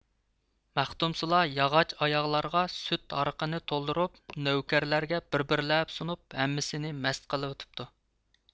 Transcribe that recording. مەختۇمسۇلا ياغاچ ئاياغلارغا سۈت ھارىقىنى تولدۇرۇپ نۆۋكەرلەرگە بىر بىرلەپ سۇنۇپ ھەممىسىنى مەست قىلىۋېتىپتۇ